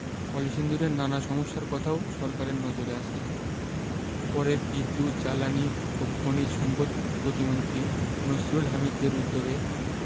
কলসিন্দুরের নানা সমস্যার কথাও সরকারের নজরে আসছে পরে বিদ্যুৎ জ্বালানি ও খনিজ সম্পদ প্রতিমন্ত্রী নসরুল হামিদদের উদ্যোগে